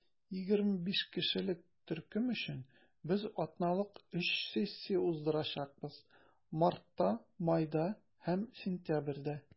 25 кешелек төркем өчен без атналык өч сессия уздырачакбыз - мартта, майда һәм сентябрьдә.